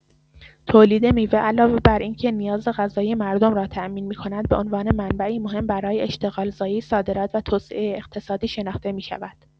تولید میوه علاوه بر اینکه نیاز غذایی مردم را تأمین می‌کند، به عنوان منبعی مهم برای اشتغال‌زایی، صادرات و توسعه اقتصادی شناخته می‌شود.